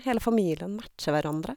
Hele familien matcher hverandre.